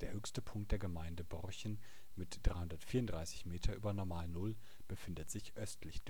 höchste Punkt der Gemeinde Borchen mit 334 m ü. NN befindet sich östlich